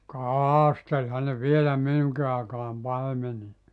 kastelihan ne vielä minunkin aikaan -